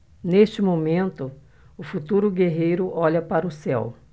neste momento o futuro guerreiro olha para o céu